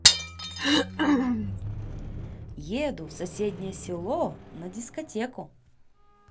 еду в соседнее село на дискотеку